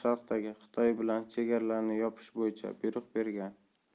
xitoy bilan chegaralarni yopish bo'yicha buyruq bergan